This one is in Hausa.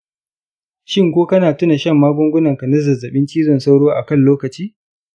shin ko kana tuna shan magungunanka na zazzaɓin cizon sauro a kan lokaci?